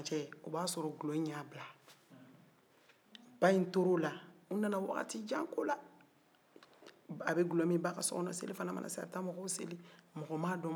u nana waati jan kɛ o la a bɛ dɔlɔ min ba ka so kɔnɔ selifana mana se a bɛ taa mɔgɔw seli mɔgɔ ma dɔn mɔgɔ ma sɔmi a la